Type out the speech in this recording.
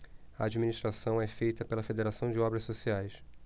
a administração é feita pela fos federação de obras sociais